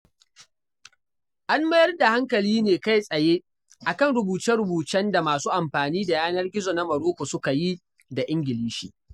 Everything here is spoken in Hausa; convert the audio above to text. An mayar da hankali ne kai-tsaye a kan rubuce-rubucen da masu amfani da yanar gizo na Morocco suka yi da Ingilishi.